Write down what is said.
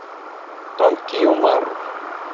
тонкий юмор